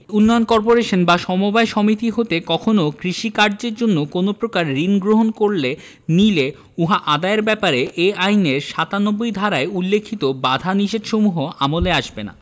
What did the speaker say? উন্নয়ন কর্পোরেশন বা সমবায় সমিতি হতে কখনো কৃষি কায্যের জন্য কোন প্রকার ঋণ গ্রহণ করলে নিলে উহা আদায়ের ব্যাপারে এ আইনের ৯৭ ধারায় উল্লেখিত বাধানিষেধসমূহ আমলে আসবেনা